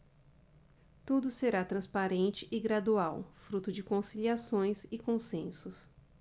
tudo será transparente e gradual fruto de conciliações e consensos